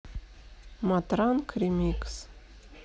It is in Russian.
матранг ремикс